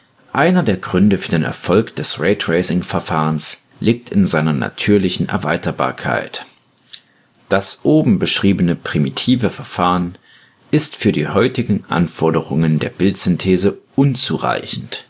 Einer der Gründe für den Erfolg des Raytracing-Verfahrens liegt in seiner natürlichen Erweiterbarkeit. Das oben beschriebene primitive Verfahren ist für die heutigen Anforderungen der Bildsynthese unzureichend